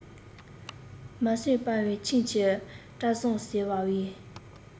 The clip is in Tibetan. མ སོན པའི ཁྱིམ གྱི བཀྲ བཟང ཟེར བའི